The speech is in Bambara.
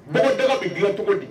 Bɔgɔdaga bɛ dilan cogo di?